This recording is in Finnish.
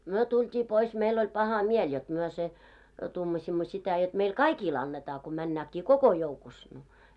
me tultiin pois meillä oli paha mieli jotta me se tuumasimme sitä jotta meille kaikille annetaan kun mennäänkin koko joukossa no